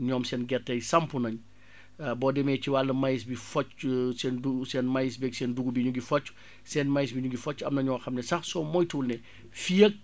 ñoom seen gerte yi sampu nañu boo demee ci wàll maïs bi focc seen dugub seen maïs beeg seen dugub yi ñu ngi focc seen maïs bi mu ngi focc am na ñoo xam ne sax soo moytuwul ne fii ak